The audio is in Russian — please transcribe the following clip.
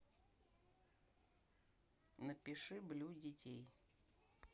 напиши блю детей